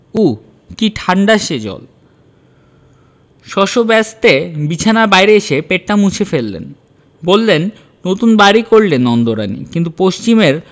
উঃ কি ঠাণ্ডা সে জল শশব্যস্তে বিছানার বাইরে এসে পেটটা মুছে ফেললেন বললেন নতুন বাড়ি করলে নন্দরানী কিন্তু পশ্চিমের